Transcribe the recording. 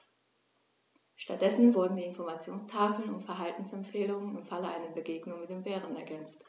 Stattdessen wurden die Informationstafeln um Verhaltensempfehlungen im Falle einer Begegnung mit dem Bären ergänzt.